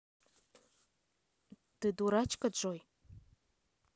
ты дурачка джой